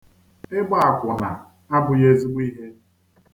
Ịgba akwụna abụghị ezigbo ihe.